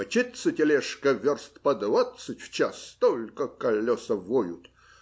мчится тележка верст по двадцать в час, только колеса воют.